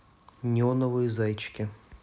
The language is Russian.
неоновые зайчики